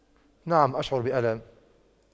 نعم أشعر بآلام